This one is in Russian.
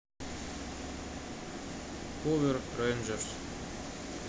power rangers